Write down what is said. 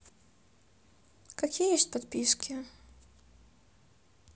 какие есть подписки